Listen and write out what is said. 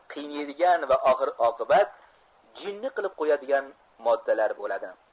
qiynaydigan va oxir oqibat jinni qilib qo'yadigan moddalar bo'ladi